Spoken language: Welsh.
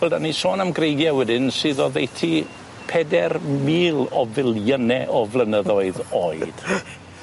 Wel 'dan ni sôn am greigie wedyn sydd oddeutu peder mil o filiyne o flynyddoedd oed.